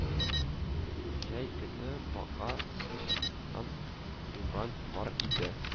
Җәй көне бака, сычкан, йомран бар иде